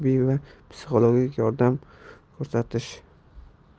zarur tibbiy va psixologik yordam ko'rsatish